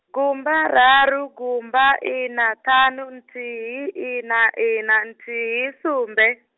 gumba raru gumba ina ṱhanu nthihi ina ina nthihi sumbe.